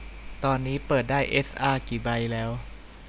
ตอนนี้เปิดได้เอสอากี่ใบแล้ว